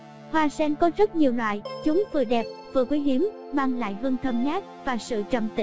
hoa sen có rất nhiều loại chúng vừa đẹp vừa quý hiếm mang lại hương thơm ngát và sự trầm tĩnh